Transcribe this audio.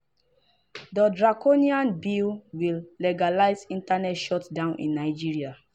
The draconian bill will legalize internet shutdowns in Nigeria